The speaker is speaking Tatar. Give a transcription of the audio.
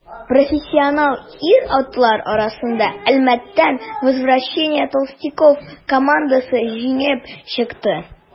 Профессионал ир-атлар арасында Әлмәттән «Возвращение толстяков» командасы җиңеп чыкты.